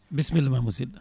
bisimillama musidɗo